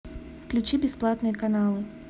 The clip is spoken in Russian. включи бесплатные каналы